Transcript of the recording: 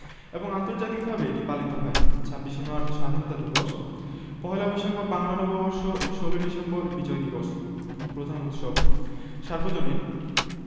এবং আন্তর্জাতিকভাবে এটি পালিত হয় ২৬শে মার্চ স্বাধীনতা দিবস পহেলা বৈশাখ বা বাংলা নববর্ষ ১৬ই ডিসেম্বর বিজয় দিবস প্রধান উৎসবঃ সর্বজনীন